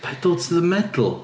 Pedal to the medle.